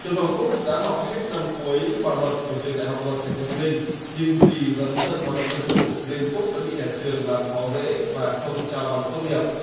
trần hoàng phúc đã học hết năm cuối khoa luật của trường đại học luật thành phố hồ chí minh nhưng vì dấn thân vào hoạt động dân chủ nên phúc đã bị nhà trường làm khó dễ và không trao bằng tốt nghiệp